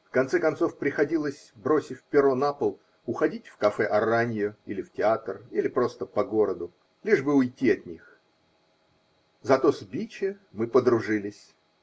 В конце концов приходилось, бросив перо на пол, уходить в кафе Араньо или в театр, или просто по городу, лишь бы уйти от них. Зато с Биче мы подружились.